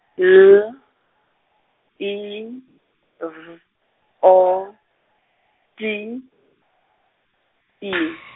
L, I, V, O, T, I.